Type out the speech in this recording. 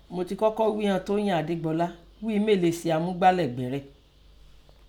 Mọ tẹ kọ́kọ́ ghí an Tóyìn Adégbọlá ghíi méè lè se amúgbálẹ́gbẹ rẹ̀.